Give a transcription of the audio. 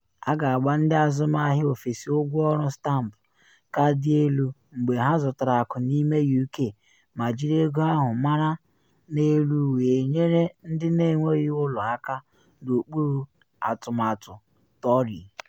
A ga-agba ndị azụmahịa ofesi ụgwọ ọrụ stampụ ka dị elu mgbe ha zụtara akụ n’ime UK ma jiri ego ahụ mara n’elu wee nyere ndị na enweghị ụlọ aka n’okpuru atụmatụ Tory